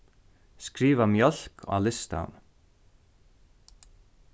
skriva mjólk á listan